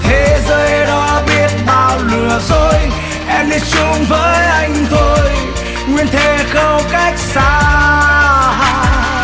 thế giới đó biết bao lừa dối em đi chung với anh thôi nguyện thề không cách xa